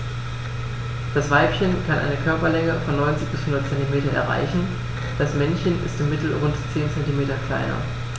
Das Weibchen kann eine Körperlänge von 90-100 cm erreichen; das Männchen ist im Mittel rund 10 cm kleiner.